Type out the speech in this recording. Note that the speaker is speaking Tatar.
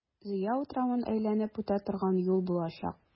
Зөя утравын әйләнеп үтә торган юл булачак.